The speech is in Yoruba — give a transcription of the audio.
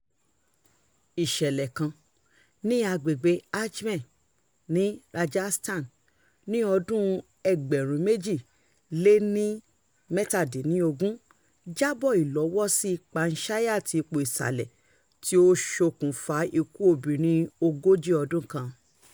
Ìṣẹ̀lẹ̀ kan ní agbègbèe Ajmer ní Rajasthan lọ́dún-un 2017 jábọ̀ ìlọ́wọ́sí panchayat ipò-ìsàlẹ̀ tí ó ṣ'okùnfa ikú obìnrin ogójì ọdún kan.